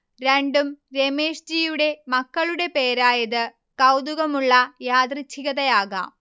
രണ്ടും രമേഷ്ജിയുടെ മക്കളുടെ പേരായത് കൗതുകമുള്ള യാദൃച്ഛികതയാകാം